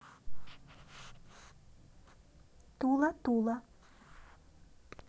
тула тула